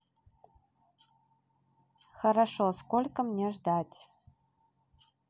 хорошо сколько мне ждать